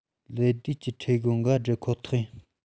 ལད ཟློས གི འཕྲལ རྒོལ འགའ བསྒྲུབ ཁོ ཐག ཡིན